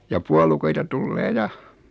ja puolukoita tulee ja